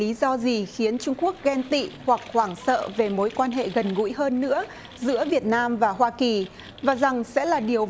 lý do gì khiến trung quốc ghen tị hoặc hoảng sợ về mối quan hệ gần gũi hơn nữa giữa việt nam và hoa kỳ và rằng sẽ là điều